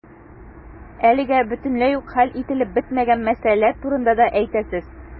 Әлегә бөтенләй үк хәл ителеп бетмәгән мәсьәләләр турында да әйтәсез.